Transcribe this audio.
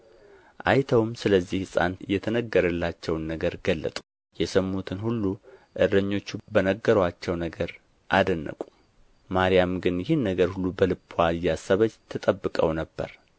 አይተውም ስለዚህ ሕፃን የተነገረላቸውን ነገር ገለጡ የሰሙትን ሁሉ እረኞቹ በነገሩአቸው ነገር አደነቁ ማርያም ግን ይህን ነገር ሁሉ በልብዋ እያሰበች ትጠብቀው ነበር